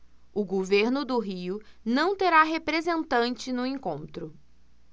o governo do rio não terá representante no encontro